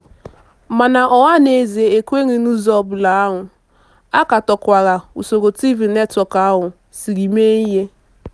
Mana ọhanaeze ekwenyeghị n'ụzọ ọbụla ahụ, a katọkwara usoro TV netwọk ahụ siri mee ihe.